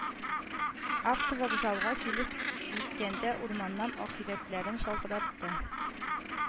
Автовокзалга килеп җиткәндә Урманнан ахирәтләрем шалтыратты